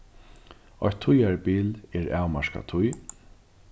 eitt tíðarbil er avmarkað tíð